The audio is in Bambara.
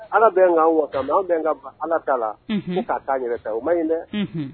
Ala bɛ k'an wasa nka anw bɛ ka ban Ala ta la fo k'a k'an yɛrɛ ta ye o man ɲi dɛ